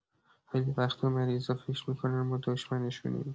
خیلی وقتا مریضا فکر می‌کنن ما دشمنشونیم.